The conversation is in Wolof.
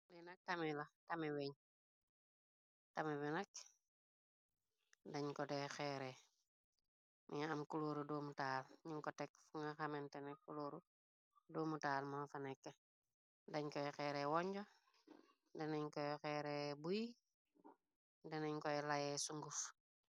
Bena tamela tame weng tamebenak dañ ko de xeeree mingi am kulóoru doomu taal ñinko tekk fu nga xamentene kulóoru doomu taal mo fa nekk dañ koy xeere wonjo denañ koy xeere buy denañ koy layee sunguf.